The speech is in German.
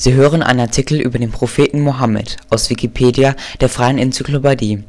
hören den Artikel Mohammed, aus Wikipedia, der freien Enzyklopädie